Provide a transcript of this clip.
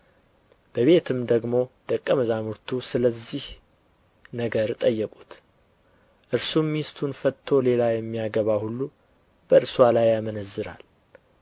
በቤትም ደግሞ ደቀ መዛሙርቱ ስለዚህ ነገር ጠየቁት እርሱም ሚስቱን ፈትቶ ሌላ የሚያገባ ሁሉ በእርስዋ ላይ ያመነዝራል